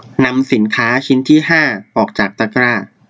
นำสินค้าชิ้นที่ห้าออกจากตะกร้า